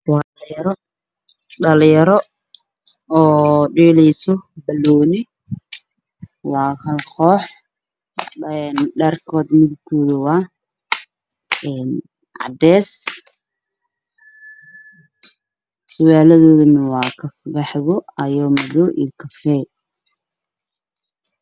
Dhaliyaro oo dheleysa banoni waa kalakox dharka midabkode waa cades sarwaldod waa qaxwo io madow